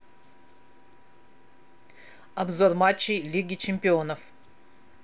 обзор матчей лиги чемпионов